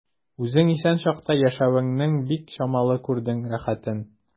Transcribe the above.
Үзең исән чакта яшәвеңнең бик чамалы күрдең рәхәтен.